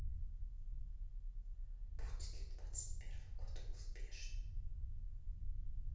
будет ли двадцать первый год успешным